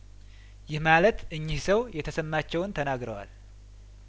ይህ ማለት እኚህ ሰው የተሰማቸውን ተናግረዋል